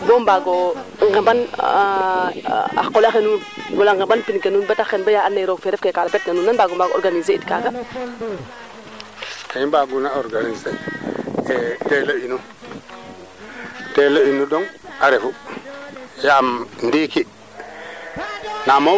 weene na adwa tarmba na adwa yaamo o gadwa nga a tarmba le wandin na saaya no koɓ lambne moom fada nga sutin a ciinja la no ndaxar ne saqa yaaga maak we ka yaxan woogu